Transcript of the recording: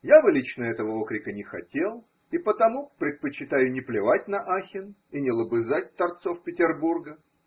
Я бы лично этого окрика не хотел, и потому предпочитаю не плевать на Ахен и не лобызать торцов Петербурга.